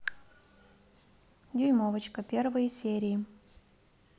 дюймовочка первые серии